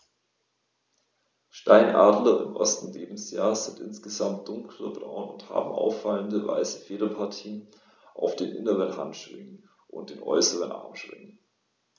Steinadler im ersten Lebensjahr sind insgesamt dunkler braun und haben auffallende, weiße Federpartien auf den inneren Handschwingen und den äußeren Armschwingen.